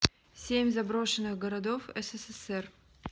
семь заброшенных городов в ссср